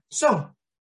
So,